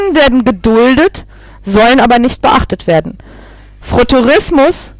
werden geduldet, sollen aber nicht beachtet werden. Frotteurismus